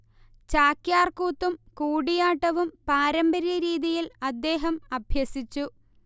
ചാക്യാർ കൂത്തും കൂടിയാട്ടവും പാരമ്പര്യ രീതിയിൽ അദ്ദേഹം അഭ്യസിച്ചു